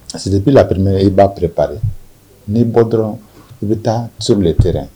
Parce quedi bii lari minɛ i b'a ppere pare n'i bɔ dɔrɔn i bɛ taa sobi tɛrɛn